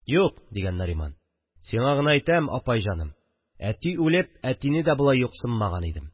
– юк, – дигән нариман, – сиңа гына әйтәм, апай җаным, әти үлеп әтине дә болай юксынмаган идем